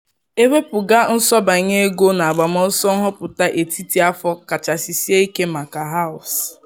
Ewepuga nsọbanye ego n’agbamọsọ nhọpụta etiti afọ kachasị sie ike maka House